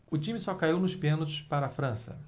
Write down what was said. o time só caiu nos pênaltis para a frança